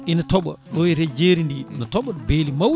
ina tooɓa no wiite jeeri ndi ne tooɓa beeli mawɗi